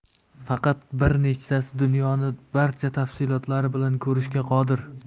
faqat bir nechtasi dunyoni barcha tafsilotlari bilan ko'rishga qodir